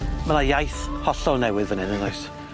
Ma' 'na iaith hollol newydd fyn 'yn yngoes?